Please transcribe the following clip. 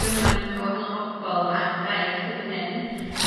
gymaint o wahanol bobol ar dy daith hyd yn hyn